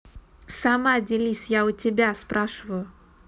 сама делись я у тебя спрашиваю